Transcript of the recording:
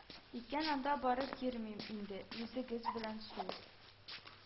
Икән, анда барып йөрмим инде, үзегез белән су